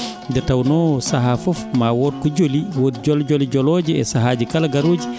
nde tawnoo sahaa fof maa wood ko joli woodi joli joli jolooje e sahaaji kala ngarooji